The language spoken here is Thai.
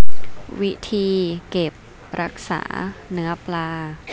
วิธีเก็บรักษาเนื้อปลา